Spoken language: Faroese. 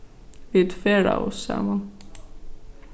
vit ferðaðust saman